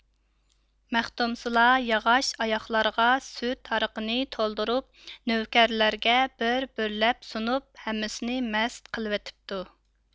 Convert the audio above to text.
مەختۇمسۇلا ياغاچ ئاياغلارغا سۈت ھارىقىنى تولدۇرۇپ نۆۋكەرلەرگە بىر بىرلەپ سۇنۇپ ھەممىسىنى مەست قىلىۋېتىپتۇ